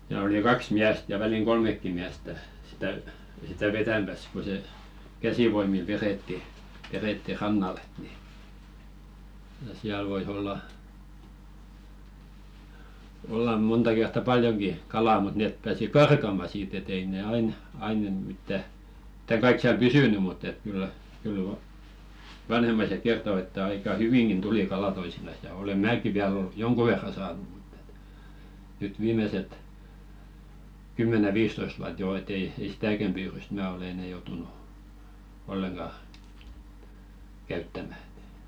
ja oli kaksi miestä ja väliin kolmekin miestä sitä sitä vetämässä kun se käsivoimilla vedettiin vedettiin rannalle että niin ja siellä voi olla olla monta kertaa paljonkin kalaa mutta ne pääsi karkaamaan siitä et ei ne aina aina - mitään mitään kaikki siellä pysynyt mutta että kyllä kyllä - vanhemmaiset kertoi että aika hyvinkin tuli kalaa toisinaan ja olen minäkin vielä - jonkun verran saanut mutta että nyt viimeiset kymmenen viisitoista vuotta jo et ei ei sitäkään pyydystä minä ole enää joutunut ollenkaan käyttämään